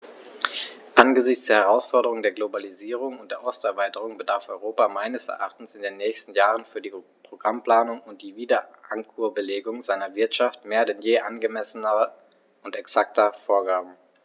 Angesichts der Herausforderung der Globalisierung und der Osterweiterung bedarf Europa meines Erachtens in den nächsten Jahren für die Programmplanung und die Wiederankurbelung seiner Wirtschaft mehr denn je angemessener und exakter Vorgaben.